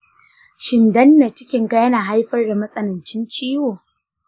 shin danna cikinka yana haifar da matsanancin ciwo?